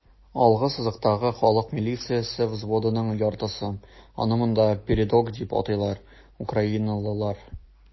Алгы сызыктагы халык милициясе взводының яртысы (аны монда "передок" дип атыйлар) - украиналылар.